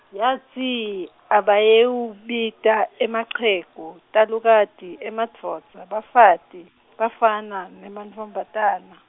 yatsi abayewubita emachegu, talukati, emadvodza, bafati, bafana nemantfombatana.